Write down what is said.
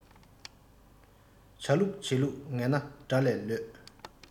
བྱ ལུགས བྱེད ལུགས ངན ན དགྲ ལས ལོད